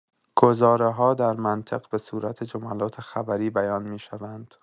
گزاره‌ها در منطق به صورت جملات خبری بیان می‌شوند.